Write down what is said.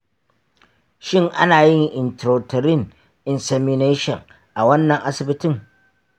shin ana yin intrauterine insemination a wannan asibitin?